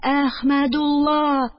Әхмәдулла